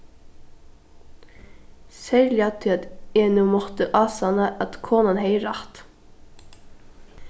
serliga tí at eg nú mátti ásanna at konan hevði rætt